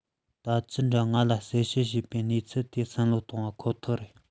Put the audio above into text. ད ཅི འདྲ ང ལ གསལ བཤད པའི གནས ཚུལ དེ བསམ བློ ཐོངས པ ཁོ ཐག རེད